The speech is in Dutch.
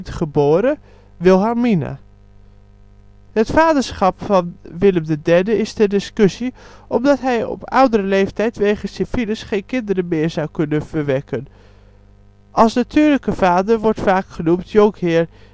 geboren: Wilhelmina. Willem III als boogschutter door E.M. van Mattenburgh Het vaderschap van Willem III is ter discussie, omdat hij op oudere leeftijd wegens syfilis geen kinderen meer zou kunnen verwekken. Als natuurlijke vader wordt vaak genoemd: Jonkheer